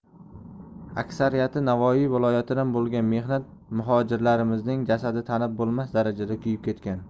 aksariyati navoiy viloyatidan bo'lgan mehnat muhojirlarimizning jasadi tanib bo'lmas darajada kuyib ketgan